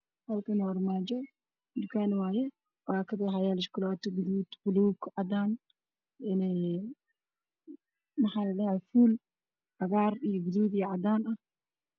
Waa supermarket waxaa yaalo buskud